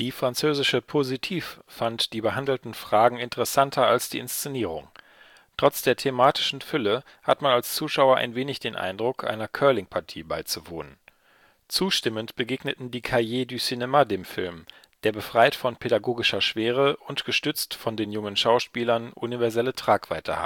französische Positif fand die behandelten Fragen interessanter als die Inszenierung. „ Trotz der thematischen Fülle hat man als Zuschauer ein wenig den Eindruck, einer Curling-Partie beizuwohnen. “Zustimmend begegneten die Cahiers du cinéma dem Film, der befreit von pädagogischer Schwere und gestützt von den jungen Schauspielern, universelle Tragweite